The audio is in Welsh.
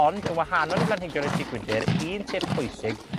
Ond, yn wahanol i blanhigion y tŷ gwydyr, un tip pwysig